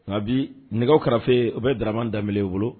Nka bi nɛgɛ kɛrɛfɛfe u bɛ dɔrɔnman danbeb bolo